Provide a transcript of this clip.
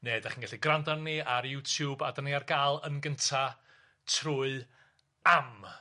ne' 'dach chi'n gallu grando arnon ni ar YouTube a dan ni ar gael yn gynta trwy Am!